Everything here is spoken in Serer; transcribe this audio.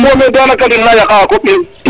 mais danaka dena yaka a koɓ in